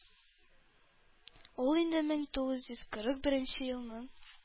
Ул инде мең тугыз йөз кырык беренче елның